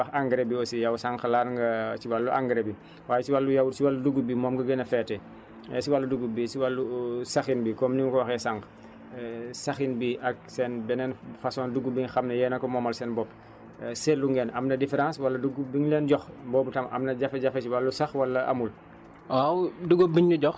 sànq ñu ngi wax engrais bi aussi yow sànq laal nga si wàllu engrais bi waaye si wàllu yow si wàllu dugub bi moom nga gën a féete si wàllu dugub bi si wàllu saxin bi comme ni ma ko waxee sànq saxin bi ak seen beneen façon dugub bi nga xam ne yéen a ko moomal seen bopp seetlu ngeen am na différence wala dugub biñ leen jox boobu tam am na jafe-jafe ci wàllu sax wala amul